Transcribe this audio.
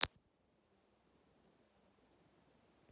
вино вина